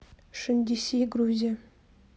шиндиси грузия